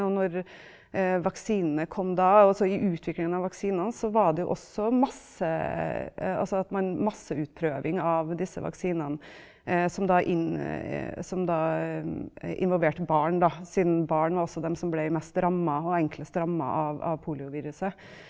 og når vaksinene kom da, altså i utviklingen av vaksinene så var det jo også masse altså at man masseutprøving av disse vaksinene som da som da involverte barn da, siden barn var også dem som ble mest ramma og enklest ramma av av polioviruset.